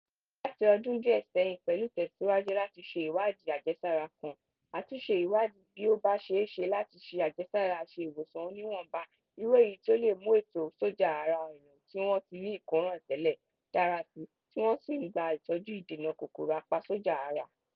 Láti ọdún díẹ̀ sẹ́yìn, pẹ̀lú ìtẹ̀síwájú láti ṣe ìwádìí àjẹsára kan, a tún ń ṣe ìwádìí bí ó bá ṣeéṣe láti ṣe àjẹsára aṣèwòsàn oníwọ̀nǹba, irú èyí tí ó lè mú ètò sójà ara àwọn èèyàn tí wọ́n ti ní ìkóràn tẹ́lẹ̀ dára síi tí wọ́n sì ń gba ìtọ́jú ìdènà kòkòrò apasòjà-ara.